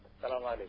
salaamaaleykum